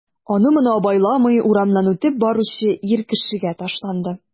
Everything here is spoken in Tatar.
Аны-моны абайламый урамнан үтеп баручы ир кешегә ташланды...